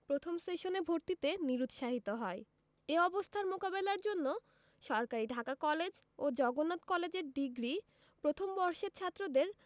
প্রথম সেশনে ভর্তিতে নিরুৎসাহিত হয় এ অবস্থার মোকাবেলার জন্য সরকারি ঢাকা কলেজ ও জগন্নাথ কলেজের ডিগ্রি প্রথম বর্ষের ছাত্রদের